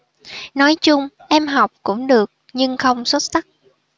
nói chung em học cũng được nhưng không xuất sắc